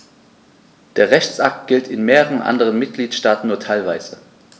Der Rechtsakt gilt in mehreren anderen Mitgliedstaaten nur teilweise.